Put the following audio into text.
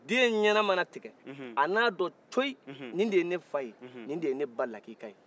den nin ɲana mana tigɛ a na dɔn coyi ni de ye ne fa ye ni de ye ne ba lakika ye